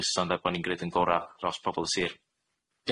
gyson 'de bo ni'n gneud 'yn gora' dros bobol y sir.